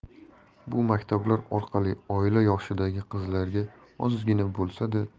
bu maktablar orqali oila yoshidagi qizlarga ozgina